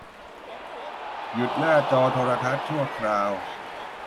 หยุดหน้าจอโทรทัศน์ชั่วคราว